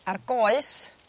A'r goes